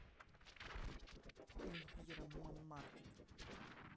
эльвира мамаркет